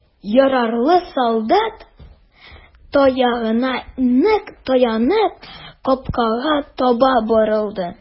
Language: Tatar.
Яралы солдат, таягына нык таянып, капкага таба борылды.